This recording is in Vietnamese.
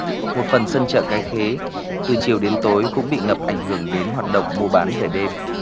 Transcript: một phần sân chợ cái khế từ chiều đến tối cũng bị ngập ảnh hưởng đến hoạt động mua bán về đêm